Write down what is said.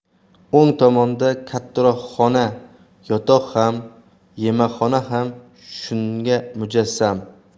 o'ng tomonda kattaroq xona yotoq ham yemakxona ham shunda mujassam